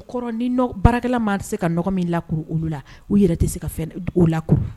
Kɔrɔ ni baarakɛla maa tɛ se ka min lakuru olu la u yɛrɛ tɛ se ka fɛn o lak